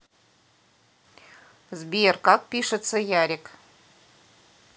сбер как пишется ярик